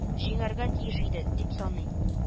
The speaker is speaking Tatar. Җиңәргә тиеш иде, дип саный